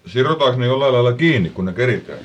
sidotaankos ne jollakin lailla kiinni kun ne keritään